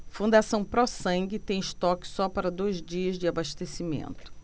fundação pró sangue tem estoque só para dois dias de abastecimento